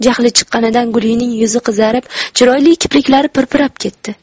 jahli chiqqanidan gulining yuzi qizarib chiroyli kipriklari pirpirab ketdi